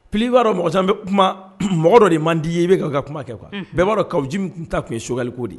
Pli b'a dɔn mɔgɔ bɛ kuma mɔgɔ dɔ de man di ye i bɛ ka kuma kɛ kuwa bɛɛ b'a dɔn ka jimi ta tun ye sokaliko di